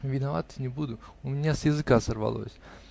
-- Виноват, не буду, у меня с языка сорвалось